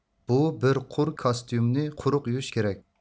بۇ بىر قۇر كاستيۇمنى قۇرۇق يۇيۇش كېرەك